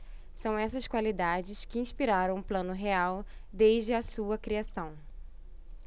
são essas qualidades que inspiraram o plano real desde a sua criação